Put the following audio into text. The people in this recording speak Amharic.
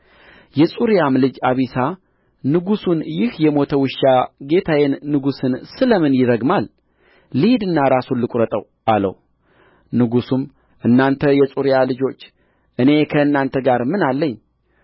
የጽሩያም ልጅ አቢሳ ንጉሡን ይህ የሞተ ውሻ ጌታዬን ንጉሡን ስለምን ይረግማል ልሂድና ራሱን ልቍረጠው አለው ንጉሡም እናንተ የጽሩም ልጆች እኔ ከእናንተ ጋር ምን አለኝ